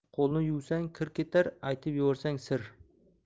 qo'lni yuvsang kir ketar aytib yuborsang sir